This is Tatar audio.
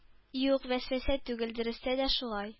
Юк, вәсвәсә түгел, дөрестә дә шулай.